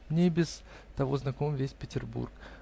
Мне и без того знаком весь Петербург